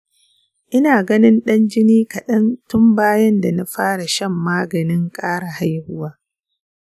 ina ganin ɗan jini kaɗan tun bayan da na fara shan maganin ƙara haihuwa.